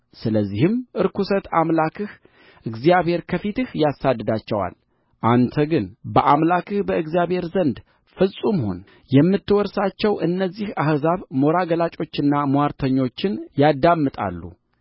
ስለዚህም ርኵሰት አምላክህ እግዚአብሔር ከፊትህ ያሳድዳቸዋል አንተ ግን በአምላክህ በእግዚአብሔር ዘንድ ፍጹም ሁን የምትወርሳቸው እነዚህ አሕዛብ ሞራ ገላጮችንና ምዋርተኞችን ያዳምጣሉ